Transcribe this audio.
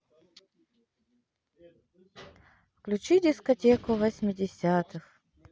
включи дискотеку восьмидесятых